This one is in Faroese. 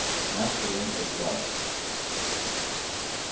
maturin er klárur